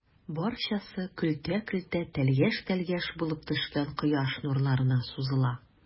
Барчасы көлтә-көлтә, тәлгәш-тәлгәш булып төшкән кояш нурларына сузыла.